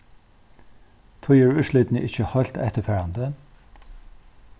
tí eru úrslitini ikki heilt eftirfarandi